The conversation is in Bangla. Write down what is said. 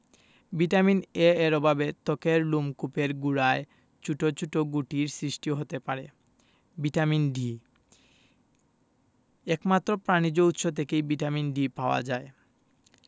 ভিটামিন A এর অভাবে ত্বকের লোমকূপের গোড়ায় ছোট ছোট গুটির সৃষ্টি হতে পারে ভিটামিন D একমাত্র প্রাণিজ উৎস থেকেই ভিটামিন D পাওয়া যায়